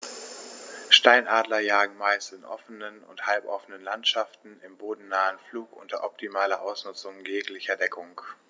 Steinadler jagen meist in offenen oder halboffenen Landschaften im bodennahen Flug unter optimaler Ausnutzung jeglicher Deckung.